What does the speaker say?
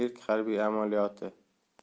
ilk harbiy amaliyoti